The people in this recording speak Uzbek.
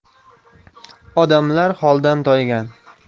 odamlar holdan toygan